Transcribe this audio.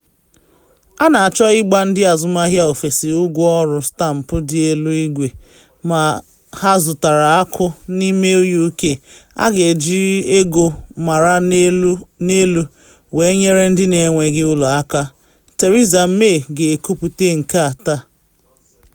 A na achọ ịgba ndị azụmahịa ofesi ụgwọ ọrụ stampụ dị elu mgbe ha zụtara akụ n’ime UK - a ga-eji ego mara n’elu wee nyere ndị na enweghị ụlọ aka, Theresa May ga-ekwupute nke a taa.